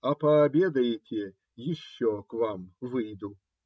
а пообедаете - еще к вам выйду.